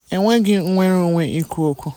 Enweghị nnwereonwe ikwu okwu.